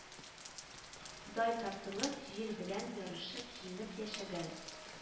Дай тартылып, җир белән ярышып, җиңеп яшәгән